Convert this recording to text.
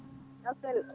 aɗa selli